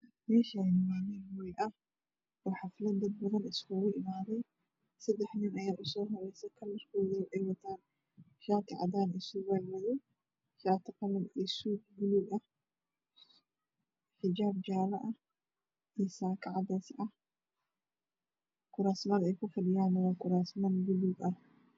Meeshaani waa meel hool ah oo xaflad oo xaflad dad badan isugu imaadeen sadex nin ayaa usoo horeeyso kalrkooda ay wataana waa shaati cadaan iyo surwaal madow ah shaati buluug iyo suud buluug ah xijaab jaale ah iyo saako cadays ah kuraasman ay ku fadhiyaan waa kuraasmaan gaduud ah